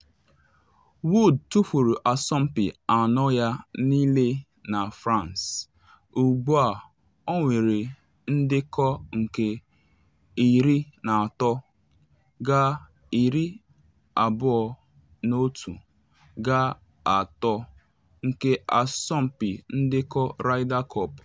Wood tufuru asọmpi anọ ya niile na France, ugbu a ọ nwere ndekọ nke 13-21-3 nke asọmpi ndekọ Ryder Cup.